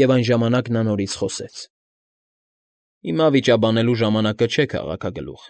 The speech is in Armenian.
Եվ այն ժամանակ նա նորից խոսեց. ֊ Հիմա վիճաբանելու ժամանակը չէ, քաղաքագլուխ,